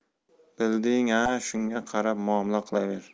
bilding a shunga qarab muomala qilaver